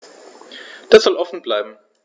Das soll offen bleiben.